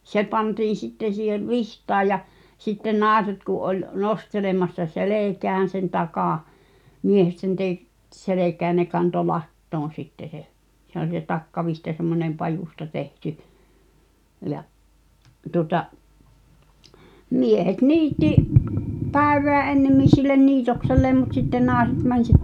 se pantiin sitten siihen vitsaan ja sitten naiset kun oli nostelemassa selkään sen takan miehet sen -- selkään ja ne kantoi latoon sitten se se oli se takkavitsa semmoinen pajusta tehty ja tuota miehet niitti päivää ennemmin sille niitokselleen mutta sitten naiset meni -